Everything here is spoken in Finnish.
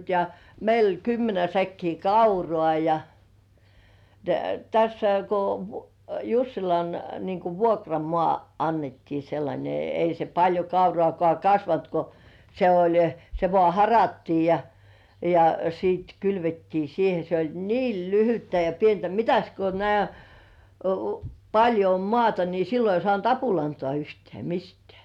ja meillä oli kymmenen säkkiä kauraa ja ja tässä kun Jussilan niin kuin vuokramaa annettiin sellainen ei se paljon kauraakaan kasvanut kun se oli se vain harattiin ja ja sitten kylvettiin siihen se oli niin lyhyttä ja pientä mitäs kun näet paljon on maata niin silloin ei saanut apulantaa yhtään mistään